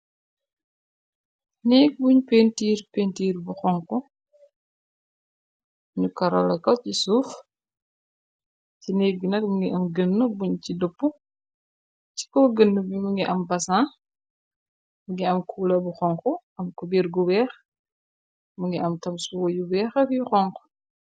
Néeg buñ pentiir pentiir bu xonk nu karaoleko ci suuf ci néeg bi nak mongi am gënna buñ ci dopa ci ko gëna bi monngi am basan mongi am kuula bu xonku am kuber gu weex mongi am tam sewo yu weex ak yu xonku.